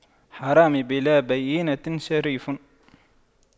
حرامي بلا بَيِّنةٍ شريف